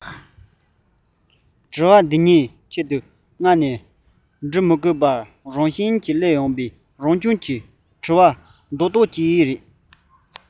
ཞེས པའི འདྲི བ འདི གཉིས ཆེད དུ མངགས ནས འདྲི མི དགོས པར རང བཞིན གྱིས སླེབས འོང བའི རང བྱུང གི འདྲི བ རྡོག རྡོག གཉིས ཡིན